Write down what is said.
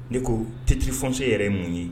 Ne ko titre foncier yɛrɛ ye mun ye?